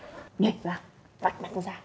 nhảy vào vạch mặt nó ra